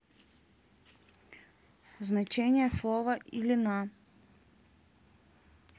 значение слова илина